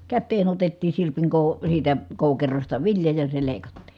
käteen otettiin sirpin - siitä koukerosta vilja ja se leikattiin